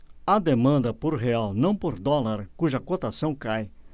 há demanda por real não por dólar cuja cotação cai